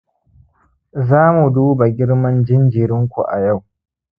za mu duba girman jinjirinku a yau